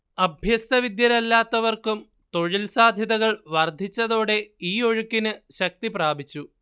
അഭ്യസ്തവിദ്യരല്ലാത്തവർക്കും തൊഴിൽ സാധ്യതകൾ വർദ്ധിച്ചതോടെ ഈ ഒഴുക്കിന് ശക്തി പ്രാപിച്ചു